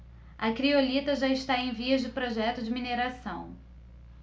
a criolita já está em vias de projeto de mineração